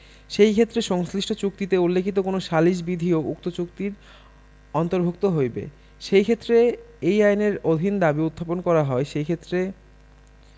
সেই ক্ষেত্রে সংশ্লিষ্ট চুক্তিতে উল্লেখিত কোন সালিস বিধিও উক্ত চুক্তির অন্তর্ভুক্ত হইবে যেইক্ষেত্রে এই আইনের অধীন দাবী উত্থাপন করা হয় সেইক্ষেত্রে